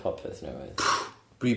Popeth newydd.